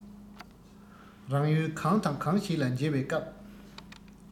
རང ཡུལ གང དང གང ཞིག ལ འཇལ བའི སྐབས